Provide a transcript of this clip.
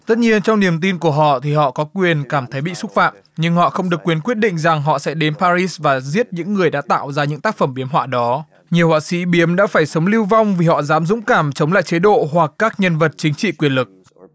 tất nhiên trong niềm tin của họ thì họ có quyền cảm thấy bị xúc phạm nhưng họ không được quyền quyết định rằng họ sẽ đến pa rít và giết những người đã tạo ra những tác phẩm biếm họa đó nhiều họa sĩ biếm đã phải sống lưu vong vì họ dám dũng cảm chống lại chế độ hoặc các nhân vật chính trị quyền lực